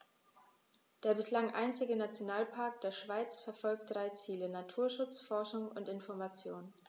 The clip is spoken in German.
Der bislang einzige Nationalpark der Schweiz verfolgt drei Ziele: Naturschutz, Forschung und Information.